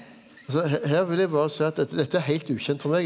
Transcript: altså her vil eg berre seie at dette dette er heilt ukjent for meg.